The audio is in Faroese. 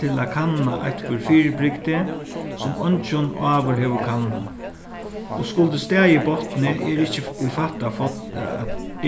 til at kanna eitthvørt fyribrigdi sum eingin áður hevur kannað og skuldi staðið í botni er ikki í at